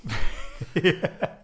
Ie.